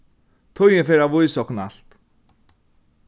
tíðin fer at vísa okkum alt